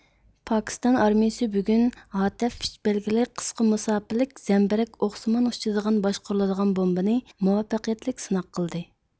پاكىستان ئارمىيىسى بۈگۈن ھاتەف ئۈچ بەلگىلىك قىسقا مۇساپىلىك زەمبىرەك ئوقىسىمان ئۇچىدىغان باشقۇرۇلىدىغان بومبىنى مۇۋەپپەقىيەتلىك سىناق قىلدى